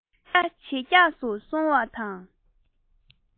ངའི ཤ ཇེ རྒྱགས སུ སོང བ དང